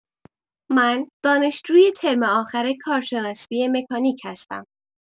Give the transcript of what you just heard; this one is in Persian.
من دانشجوی ترم آخر کارشناسی مکانیک هستم.